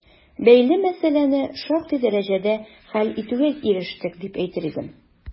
Бәйле мәсьәләне шактый дәрәҗәдә хәл итүгә ирештек, дип әйтер идем.